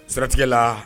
Siratigɛ la